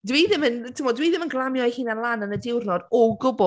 Dyw hi ddim yn timod, dyw hi ddim yn glamio ei hunan lan yn y diwrnod o gwbl.